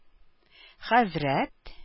Хәзрәт